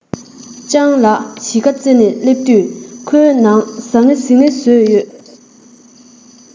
སྤང ལགས གཞིས ཁ རྩེ ནས ནང དུ སླེབས དུས ཁོའི ནང ཟང ངེ ཟིང བཟོས ཡོད